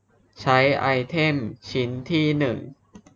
ใช้ไอเทมชิ้นที่หนึ่ง